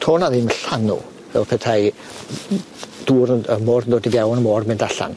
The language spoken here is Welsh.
To' 'na ddim llanw fel petai dŵr yn yy môr yn dod i fewn y môr mynd allan.